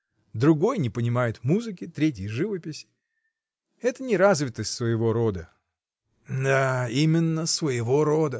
Другой не понимает музыки, третий живописи: это неразвитость своего рода. — Да, именно — своего рода.